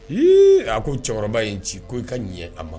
Hiii ! A ko cɛkɔrɔba in n ci k' i ka ɲ'a ma.